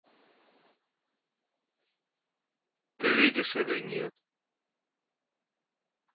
ты видишь или нет